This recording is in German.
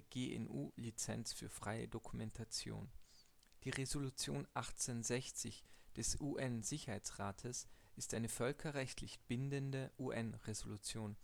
GNU Lizenz für freie Dokumentation. Flagge der Vereinten Nationen Die Resolution 1860 des UN-Sicherheitsrates ist eine völkerrechtlich bindende UN-Resolution,